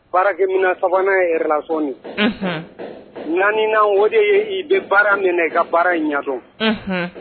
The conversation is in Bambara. Baarakimin sabanan yɛrɛ lasononi naanian o de ye i bɛ baara minɛ i ka baara in ɲa